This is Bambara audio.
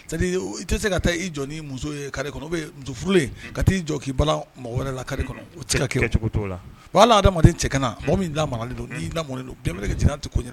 C'est à dire I tɛ se ka taa i jɔ ni muso ye kare kɔnɔ oubien muso furulen ka ti jɔ ki balan mɔgɔ wɛrɛ la kare kɔnɔ. O t e se ka kɛ . Bon hali adamaden cɛ ganan mɔgɔ min lamaralen don ni lamɔlen don bien vrai que jɛnɛya t